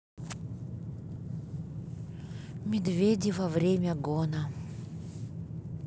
медведи во время гона